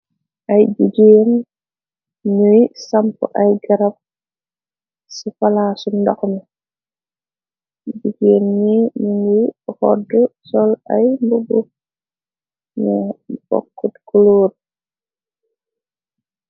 Ay bigéen ñuy samp ay garab ci palasu ndox mi. Jigéen ni ni nguy oddu sol ay mbuba yu bokkut kuluur.